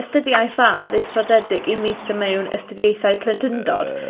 astudiaeth radd istradedig i meistr mewn ystudiaethau plentyndod